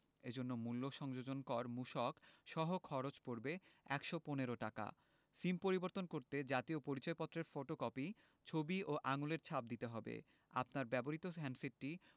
এ জন্য মূল্য সংযোজন কর মূসক সহ খরচ পড়বে ১১৫ টাকা সিম পরিবর্তন করতে জাতীয় পরিচয়পত্রের ফটোকপি ছবি ও আঙুলের ছাপ দিতে হবে আপনার ব্যবহৃত হ্যান্ডসেটটি